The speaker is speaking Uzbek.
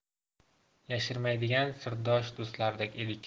yashirmaydigan sirdosh do'stlardek edik